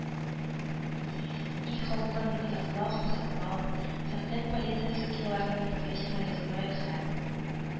Ил халкын яклау һәм саклау, фәкать полицейскийларның профессионализмы һәм